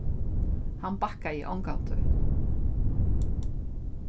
hann bakkaði ongantíð